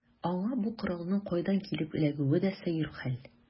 Аңа бу коралның кайдан килеп эләгүе дә сәер хәл.